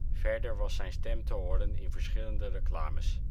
Verder was zijn stem te horen in verschillende reclames